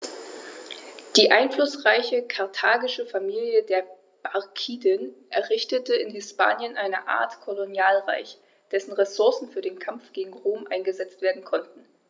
Die einflussreiche karthagische Familie der Barkiden errichtete in Hispanien eine Art Kolonialreich, dessen Ressourcen für den Kampf gegen Rom eingesetzt werden konnten.